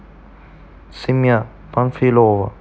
семья панфилова